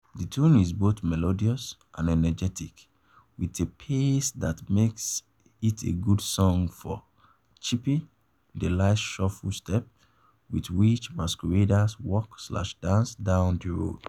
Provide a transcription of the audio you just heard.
The tune is both melodious and energetic, with a pace that makes it a good song for "chipping" (the light shuffle step with which masqueraders walk/dance down the road).